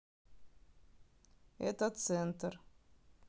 это центр